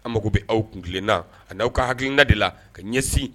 An mako bɛ aw kuntilenna, a n'aw ka hakilina de la, ka ɲɛsin